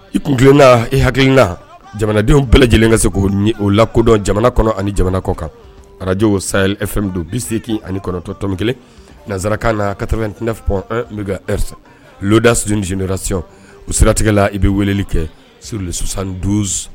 I kunna i hakiina jamanadenw bɛɛ lajɛlen ka se k o la kodɔn jamana kɔnɔ ani jamana kɔ kan araj o sa fme don biseeki ani kɔrɔtɔtɔnm kelen nanzsarak na katap bɛ sa da ssirasi u siratigɛ la i bɛ wele kɛ surlisisan